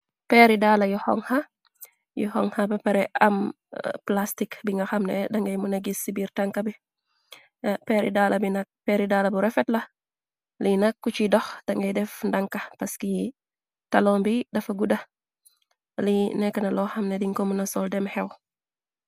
Peeri dala yu xon yu hona bepare am plastik bi nga xamne dangay mu negis ci biir tanka bieri peeri daala bu rofet la li nakku ci dox da ngay def ndànka paskii talon bi dafa guda li nekk na loo xamne diñ ko muna sol dem xew.